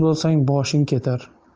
bo'lsang boshing ketar